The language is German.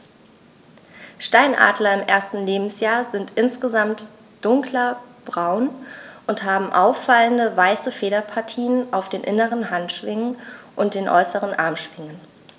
Steinadler im ersten Lebensjahr sind insgesamt dunkler braun und haben auffallende, weiße Federpartien auf den inneren Handschwingen und den äußeren Armschwingen.